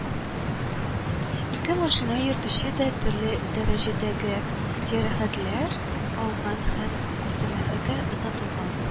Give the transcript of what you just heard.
Ике машина йөртүче дә төрле дәрәҗәдәге җәрәхәтләр алган һәм хастаханәгә озатылган